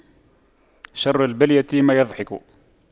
شر البلية ما يضحك